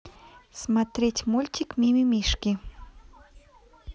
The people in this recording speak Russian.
смотреть мультик мимимишки